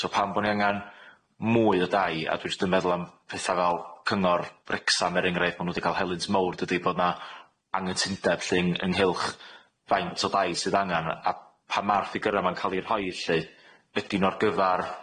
So pam bo ni angan mwy o dai a dwi jyst yn meddwl am petha fel cyngor Wrecsam er enghraifft ma' nw di ca'l helynt mowr dydi bo' na anytundeb lly yng ynghylch faint o dai sydd angan a a pan ma'r ffigyra ma'n ca'l i rhoi lly ydi nw ar gyfar